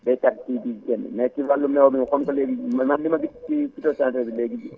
baykat bi di génn mais si wàllu meew mi comme que léegi man li ma gis si phytosanitaire bi léegi